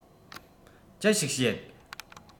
ཅི ཞིག བྱེད